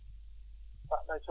mbaɗɗon coono